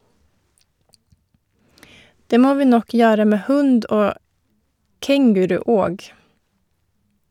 Det må vi nok gjøre med hund og kenguru og.